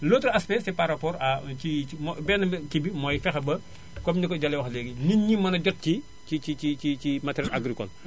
l' autre aspect c' est par rapport à un ci ci benn kii bi mooy fexe ba comme ni ko Jalle waxee léegi nit ñi mën a jot ci ci ci ci ci ci matériel agricole